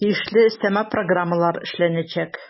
Тиешле өстәмә программалар эшләнәчәк.